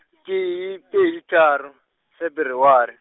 tee, pedi, tharo, Feberware.